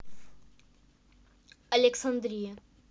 александрия